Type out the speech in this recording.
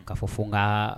K kaa fɔ fo n ka